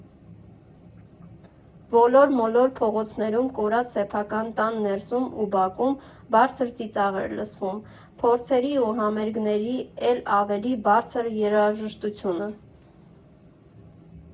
Ոլոր֊մոլոր փողոցներում կորած սեփական տան ներսում ու բակում բարձր ծիծաղ էր լսվում, փորձերի ու համերգների էլ ավելի բարձր երաժշտությունը։